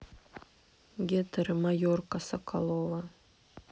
гетеры майора соколова